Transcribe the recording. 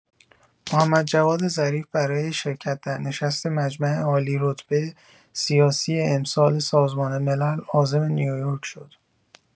محمد جواد ظریف برای شرکت در نشست مجمع عالی‌رتبه سیاسی امسال سازمان ملل عازم نیویورک شد.